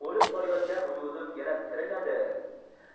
olib borayotgan vujudim yana tiriladi